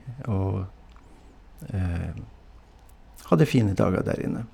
Og hadde fine dager der inne.